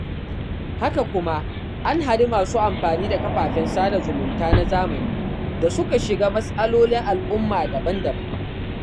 Haka kuma, an hari masu amfani da kafafen sada zumunta na zamani da suka shiga mas'alolin al'umma daban-daban.